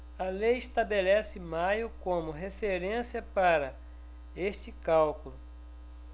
a lei estabelece maio como referência para este cálculo